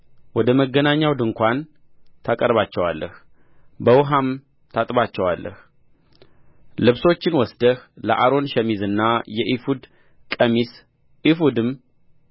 ወደ መገናኛው ድንኳን ታቀርባቸዋለህ በውኃም ታጥባቸዋለህ ልብሶችን ወስደህ ለአሮን ሸሚዝና የኤፉድ ቀሚስ ኤፉድም